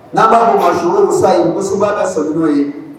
N'a b'a fɔ ma su musa ye musoba ka sa n'o ye